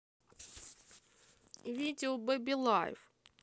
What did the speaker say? видео беби лайф